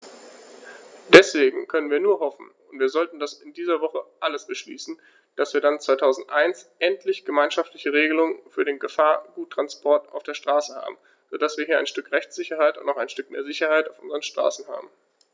Deswegen können wir nur hoffen - und wir sollten das in dieser Woche alles beschließen -, dass wir dann 2001 endlich gemeinschaftliche Regelungen für den Gefahrguttransport auf der Straße haben, so dass wir hier ein Stück Rechtssicherheit und auch ein Stück mehr Sicherheit auf unseren Straßen haben.